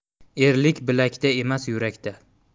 erlik bilakda emas yurakda